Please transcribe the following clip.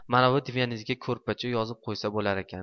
manavi divanizga ko'rpacha yozib qo'ysa bo'lar ekan